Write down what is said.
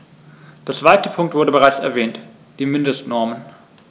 Der zweite Punkt wurde bereits erwähnt: die Mindestnormen.